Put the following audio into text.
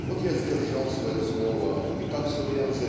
Вот я сдержал свое слово и как сумел